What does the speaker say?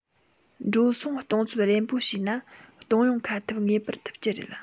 འགྲོ སོང གཏོང ཚོད རན པོ བྱས ན གཏོང ཡོང ཁ འཐབ ངེས པར ཐུབ ཀྱི རེད